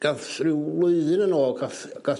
...gath ryw flwyddyn yn ôl gath gath...